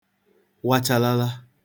wachalala